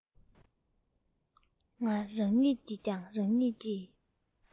ང རང ཉིད ཀྱིས ཀྱང རང ཉིད ཀྱི